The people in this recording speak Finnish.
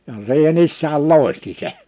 ja siihen isäkin loihti sen